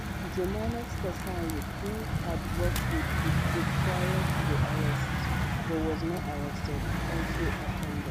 Jomanex Kasaye, who had worked with the group prior to the arrests (but was not arrested) also attended.